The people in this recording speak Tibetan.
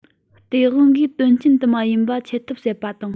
སྟེས དབང གིས དོན རྐྱེན དུ མ ཡིན པ འཆད ཐབས ཟད པ དང